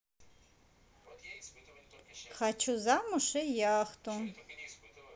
хочу замуж и яхту